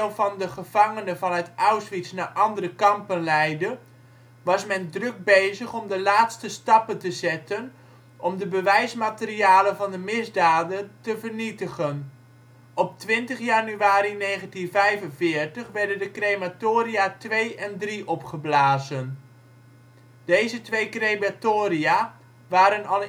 van de gevangenen vanuit Auschwitz naar andere kampen leidde, was men druk bezig om de laatste stappen te zetten om de bewijsmaterialen van de misdaden te vernietigen. Op 20 januari 1945 werden de crematoria II en III opgeblazen. Deze twee crematoria waren al